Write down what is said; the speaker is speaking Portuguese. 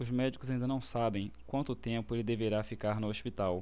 os médicos ainda não sabem quanto tempo ele deverá ficar no hospital